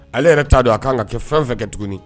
Ale yɛrɛ t'a don a k kan ka kɛ fɛn fɛn kɛ tuguni